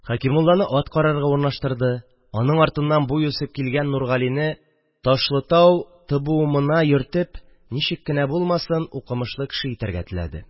Хәкимулланы ат карарга урнаштырды, аның артыннан буй үсеп килгән Нургалине Ташлытау ТБУМына йөртеп, ничек кенә булмасын, укымышлы кеше итәргә теләде